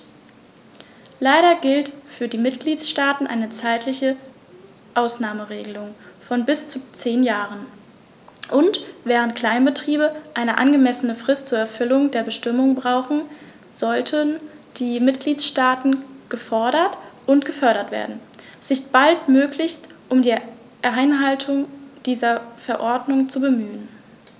Leider gilt für die Mitgliedstaaten eine zeitliche Ausnahmeregelung von bis zu zehn Jahren, und, während Kleinbetriebe eine angemessene Frist zur Erfüllung der Bestimmungen brauchen, sollten die Mitgliedstaaten gefordert und gefördert werden, sich baldmöglichst um die Einhaltung dieser Verordnung zu bemühen.